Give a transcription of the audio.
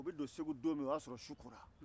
u bɛ don segu don min o y'a sɔrɔ su kora